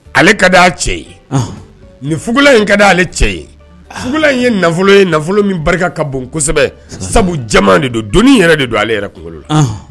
Ale ka cɛ ninugula ka di ale cɛ ye fugula ye nafolo ye nafolo min barika ka bonsɛbɛ sabu caman de don donnin yɛrɛ de don ale yɛrɛ kungo la